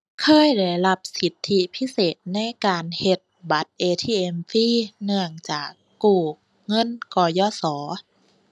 เคยได้รับสิทธิพิเศษในการเฮ็ดบัตร ATM ฟรี เนื่องจากกู้เงิน กยศ.